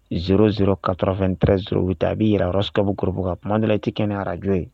S s katafɛn2pre sur u taa a'i yiyɔrɔs sababu kurup ka kumamandala tɛ kɛ arajo ye